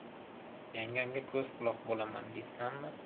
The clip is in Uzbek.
yangamga ko'z quloq bolaman deysanmi